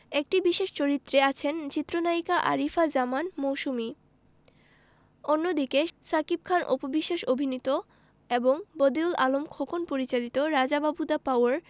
একটি বিশেষ চরিত্রে আছেন চিত্রনায়িকা আরিফা জামান মৌসুমী অন্যদিকে শাকিব খান অপু বিশ্বাস অভিনীত এবং বদিউল আলম খোকন পরিচালিত রাজা বাবু দ্যা পাওয়ার